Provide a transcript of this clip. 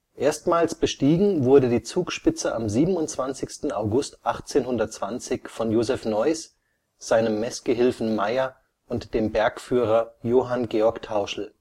Erstmals bestiegen wurde die Zugspitze am 27. August 1820 von Josef Naus, seinem Messgehilfen Maier und dem Bergführer Johann Georg Tauschl